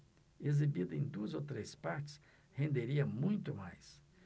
exibida em duas ou três partes renderia muito mais